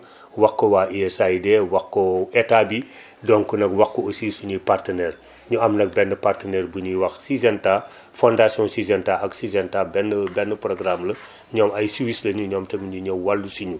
wax ko waa USAID wax ko état bi donc nag wax ko aussi suñuy partenaires ñu am nag benn partenaire bu ñuy wax Syngenta fondation Syngenta ak Syngenta benn benn programme la ñoom ay suisse la ñu ñoom tamit ñu ñëw wàllu si ñu